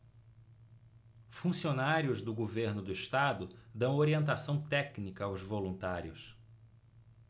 funcionários do governo do estado dão orientação técnica aos voluntários